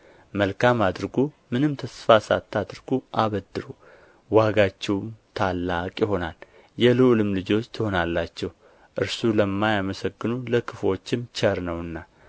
መልካም አድርጉ ምንም ተስፋ ሳታደርጉም አበድሩ ዋጋችሁም ታላቅ ይሆናል የልዑልም ልጆች ትሆናላችሁ እርሱ ለማያመሰግኑ ለክፉዎችም ቸር ነውና